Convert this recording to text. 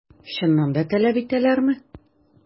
Чыннан да таләп итәләрме?